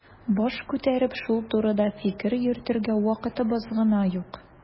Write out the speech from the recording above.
Баш күтәреп шул турыда фикер йөртергә вакытыбыз гына юк.